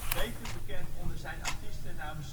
beter bekend onder zijn artiestennaam